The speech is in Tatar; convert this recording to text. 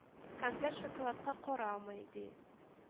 Конфет-шоколадка карамый, ди